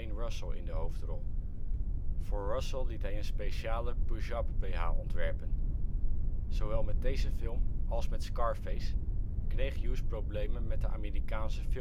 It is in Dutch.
Russell in de hoofdrol. Voor Russell liet hij een speciale push-up BH ontwerpen. Zowel met deze film als met Scarface kreeg Hughes problemen met de Amerikaanse filmkeuring